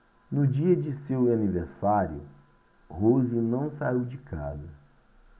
no dia de seu aniversário rose não saiu de casa